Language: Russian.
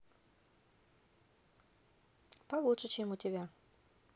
получше чем у тебя